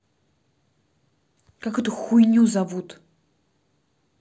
как эту хуйню зовут